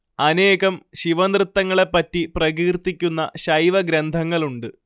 അനേകം ശിവനൃത്തങ്ങളെപ്പറ്റി പ്രകീർത്തിക്കുന്ന ശൈവഗ്രന്ഥങ്ങളുണ്ട്